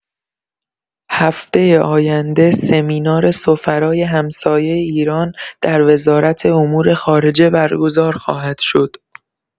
هفته آینده سمینار سفرای همسایه ایران در وزارت امور خارجه برگزار خواهد شد.